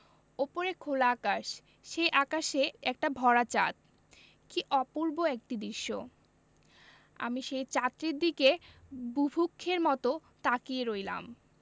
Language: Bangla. ওপরে খোলা আকাশ সেই আকাশে একটা ভরা চাঁদ কী অপূর্ব একটি দৃশ্য আমি সেই চাঁদটির দিকে বুভুক্ষের মতো তাকিয়ে রইলাম